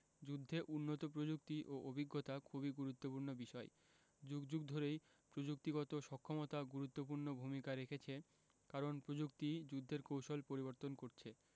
যুদ্ধে উন্নত প্রযুক্তি ও অভিজ্ঞতা খুবই গুরুত্বপূর্ণ বিষয় যুগ যুগ ধরেই প্রযুক্তিগত সক্ষমতা গুরুত্বপূর্ণ ভূমিকা রেখেছে কারণ প্রযুক্তিই যুদ্ধের কৌশল পরিবর্তন করছে